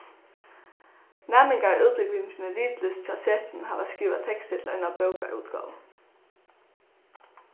næmingar á útbúgvingini ritlist hjá setrinum hava skrivað tekstir til eina bókaútgávu